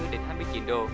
chín đô